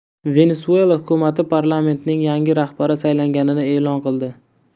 venesuela hukumati parlamentning yangi rahbari saylanganini e'lon qildi